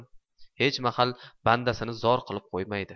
hech mahal bandasini zor qilib qo'ymaydi